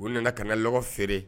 U nana ka na lɔgɔ feere.